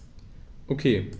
Okay.